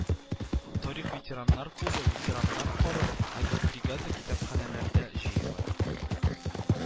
Тарих ветераннар клубы, ветераннар хоры, агитбригада, китапханәләрдә ыела